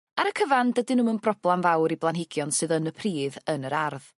ar y cyfan dydyn nw'm yn broblam fawr i blanhigion sydd yn y pridd yn yr ardd